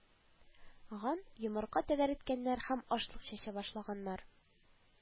Ган йомырка тәгәрәткәннәр һәм ашлык чәчә башлаганнар